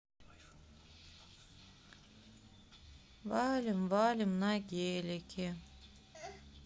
валим валим на гелике